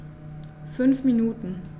5 Minuten